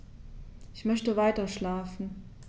Ich möchte weiterschlafen.